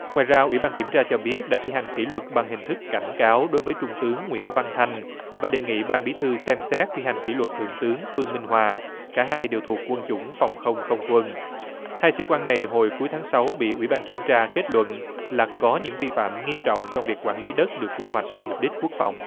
ngoài ra ủy ban kiểm tra cho biết đã thi hành kỷ luật bằng hình thức cảnh cáo đối với trung tướng nguyễn văn thanh và đề nghị ban bí thư xem xét thi hành kỷ luật thượng tướng phương minh hòa cả hai đều thuộc quân chủng phòng không không quân hai sĩ quan này hồi cuối tháng sáu bị ủy ban kiểm tra kết luận là có những vi phạm nghiêm trọng trong việc quản lý đất được quy hoạch cho mục đích quốc phòng